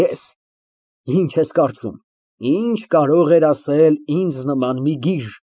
Ե՞ս։ Ի՞նչ ես կարծում, ի՞նչ կարող էր ասել ինձ նման մի գիժ։